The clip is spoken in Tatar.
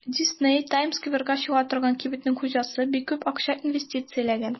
Дисней (Таймс-скверга чыга торган кибетнең хуҗасы) бик күп акча инвестицияләгән.